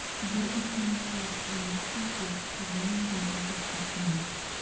Бер үкенеч булып калмассың тик, чыгалмадым офык артына.